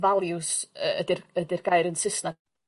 values y ydi'r ydi'r gair yn Sysnag.